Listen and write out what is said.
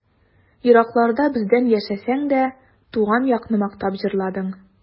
Еракларда бездән яшәсәң дә, Туган якны мактап җырладың.